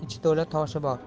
ichi to'la toshi bor